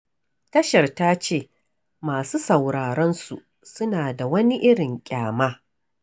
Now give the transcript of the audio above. Tashar ta ce masu sauraron su suna da "wani irin ƙyama"